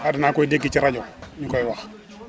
ah dinaa koy dégg ci rajo ñu koy wax